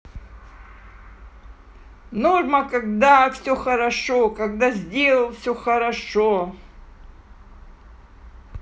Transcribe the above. норма это когда все хорошо когда сделал все хорошо